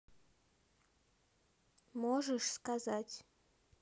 можешь сказать